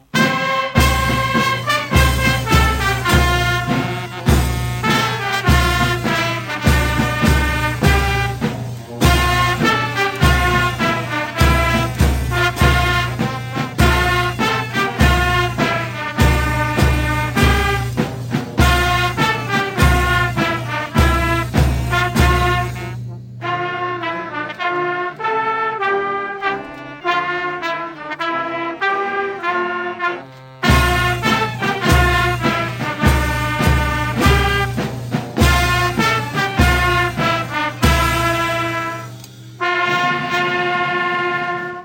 Nka